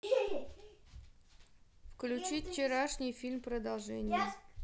включить вчерашний фильм продолжение